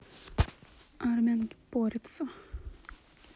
армянки порется